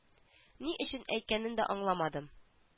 Ни өчен әйткәнен дә аңламадым